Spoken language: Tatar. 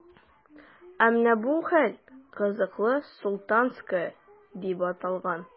Ә менә бу – хәләл казылык,“Султанская” дип аталган.